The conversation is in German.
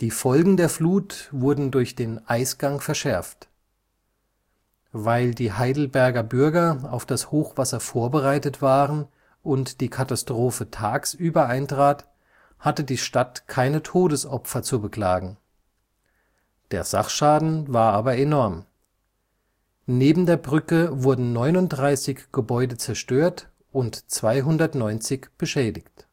Folgen der Flut wurden durch den Eisgang verschärft. Weil die Heidelberger Bürger auf das Hochwasser vorbereitet waren und die Katastrophe tagsüber eintrat, hatte die Stadt keine Todesopfer zu beklagen, der Sachschaden war aber enorm: Neben der Brücke wurden 39 Gebäude zerstört und 290 beschädigt